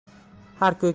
har ko'katning o'z